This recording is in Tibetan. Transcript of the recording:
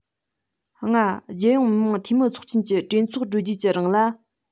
ལྔ རྒྱལ ཡོངས མི དམངས འཐུས མིའི ཚོགས ཆེན གྱི གྲོས ཚོགས གྲོལ རྗེས ཀྱི རིང ལ